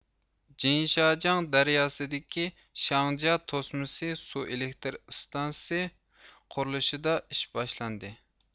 جىنشاجياڭ دەرياسىدىكى شياڭجيا توسمىسى سۇ ئېلېكتر ئىستانسىسى قۇرۇلۇشىدا ئىش باشلاندى